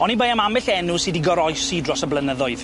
Oni bai am ambell enw sy 'di goroesi dros y blynyddoedd.